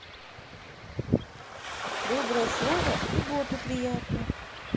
доброе слово и боту приятно